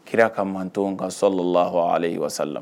Kira ka mantow kan